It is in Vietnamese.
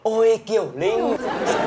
ôi kiều linh